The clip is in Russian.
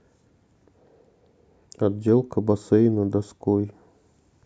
отделка бассейна доской